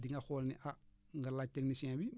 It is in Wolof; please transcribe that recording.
di nga xool ni ah nga laaj technicien bi